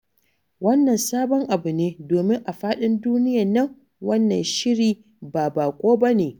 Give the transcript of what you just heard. Wannan sabon abu ne, domin a faɗin duniyar nan, wannan shiri ba baƙo ba ne.